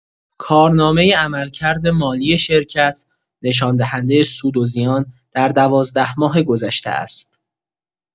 کارنامه عملکرد مالی شرکت، نشان‌دهنده سود و زیان در دوازده ماه گذشته است.